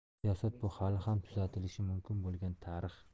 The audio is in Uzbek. siyosat bu hali ham tuzatilishi mumkin bo'lgan tarix